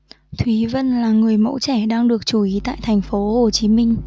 thúy vân là người mẫu trẻ đang được chú ý tại thành phố hồ chí minh